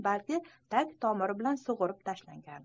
balki tag tomiri bilan sug'urib tashlangan